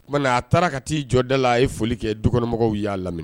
Tuma a taara ka t'i jɔ da la a ye foli kɛ dukɔnɔmɔgɔw y'a laminɛ